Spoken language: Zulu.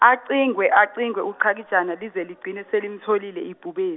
acingwe acingwe uchakijana lize ligcine selimtholile ibhube-.